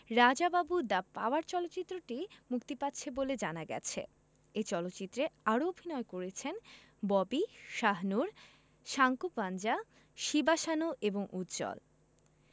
রাজা Babu the power চলচ্চিত্রটি মুক্তি পাচ্ছে বলে জানা গেছে এ চলচ্চিত্রে আরও অভিনয় করেছেন ববি শাহনূর সাঙ্কোপাঞ্জা শিবা সানু এবং উজ্জ্বল